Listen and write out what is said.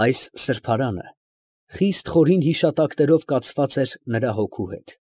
Այս սրբարանը խիստ խորին հիշատակներով կացված էր նրա հոգու հետ։